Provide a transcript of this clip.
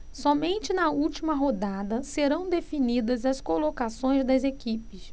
somente na última rodada serão definidas as colocações das equipes